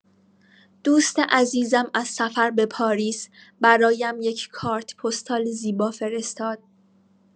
دوست عزیزم از سفر به پاریس برایم یک کارت‌پستال زیبا فرستاد.